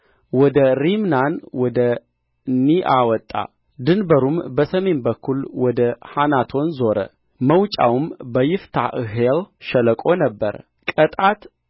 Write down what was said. ወደ ሪምንና ወደ ኒዓ ወጣ ድንበሩም በሰሜን በኩል ወደ ሐናቶን ዞረ መውጫውም በይፍታሕኤል ሸለቆ ነበረ ቀጣት